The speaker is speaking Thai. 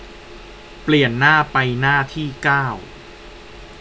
เปลี่ยนหน้าไปหน้าที่เก้า